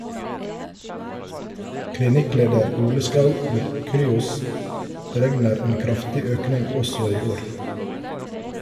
Klinikkleder Ole Schou ved Cryos beregner en kraftig økning også i år.